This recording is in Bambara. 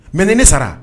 Mɛen ne sara